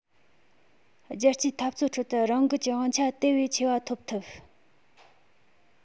རྒྱལ སྤྱིའི འཐབ རྩོད ཁྲོད དུ རང འགུལ གྱི དབང ཆ དེ བས ཆེ བ ཐོབ ཐུབ